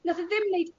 Nath e ddim neud